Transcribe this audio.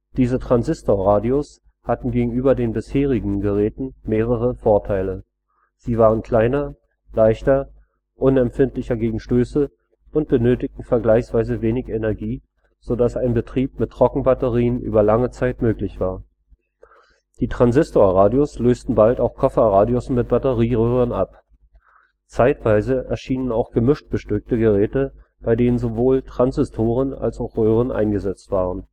Diese Transistorradios hatten gegenüber den bisherigen Geräten mehrere Vorteile: Sie waren kleiner, leichter, unempfindlicher gegen Stöße und benötigten vergleichsweise wenig Energie, so dass ein Betrieb mit Trockenbatterien über lange Zeit möglich war. Die Transistorradios lösten bald auch Kofferradios mit Batterieröhren ab. Zeitweise erschienen auch gemischt-bestückte Geräte, bei denen sowohl Transistoren als auch Röhren eingesetzt waren